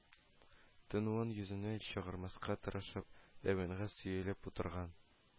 Тынуын йөзенә чыгармаска тырышып, диванга сөялеп утырган